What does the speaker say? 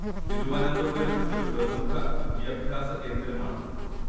തിരുവനന്തപുരം ഒരു പ്രമുഖ വിദ്യാഭ്യാസ കേന്ദ്രമാണ്